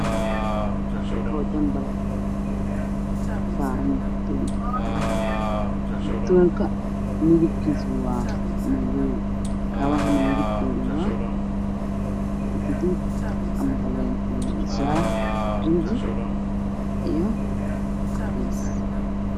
Waa laami waxaa goy nayo wilal yar yar